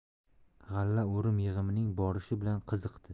g'alla o'rim yig'imining borishi bilan qiziqdi